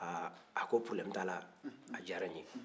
haa a ko ''probleme'' t'a la a diyara n ye